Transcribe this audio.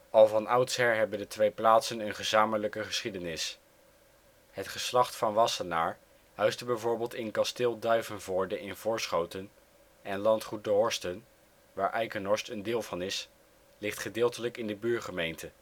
Al van oudsher hebben de twee plaatsen een gezamenlijke geschiedenis. Het geslacht Van Wassenaar huisde bijvoorbeeld in Kasteel Duivenvoorde in Voorschoten en Landgoed De Horsten, waar Eikenhorst een deel van is, ligt gedeeltelijk in de buurgemeente